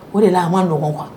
O de la a an man nɔgɔ kuwa